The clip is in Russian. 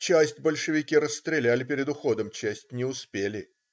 Часть большевики расстреляли перед уходом, часть не успели".